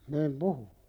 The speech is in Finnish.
niin puhuin